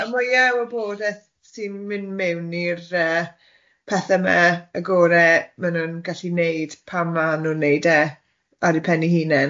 ...y mwya o wybodeth sy'n mynd mewn i'r yy pethe ma, y gore ma' nhw'n gellu neud pan ma' nhw'n neud e ar eu pen i hunen.